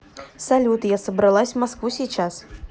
салют я собралась в москву сейчас